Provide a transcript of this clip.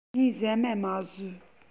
ངས ཟ མ མ ཟོས